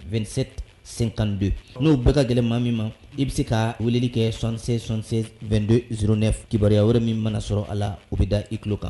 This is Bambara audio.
27 senkando n'o bagan gɛlɛnlima min ma i bɛ se ka weleli kɛ sonsen72do zurune kibabruyaya wɛrɛ min mana sɔrɔ a u bɛ da i tulo kan